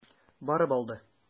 Барып алды.